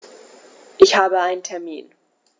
Ich habe einen Termin.